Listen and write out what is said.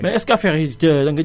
mais est ce que affaire yi ca la nga